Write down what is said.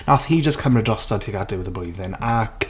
Wnaeth hi jyst cymryd drosto tuag at diwedd y blwyddyn ac...